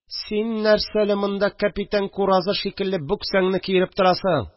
– син нәрсә әле монда кәпитән куразы шикелле бүксәңне киереп торасың?